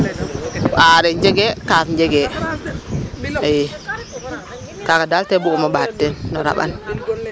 A aareer njegee kaaf njegee i kaaga daal bug'um o ɓaat teen no raɓan .